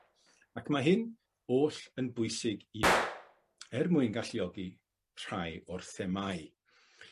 Ac ma' hyn oll yn bwysig i ni, er mwyn galluogi rhai o'r themâu.